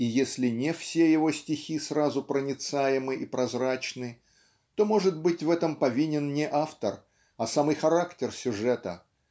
И если не все его стихи сразу проницаемы и прозрачны то может быть в этом повинен не автор а самый характер сюжета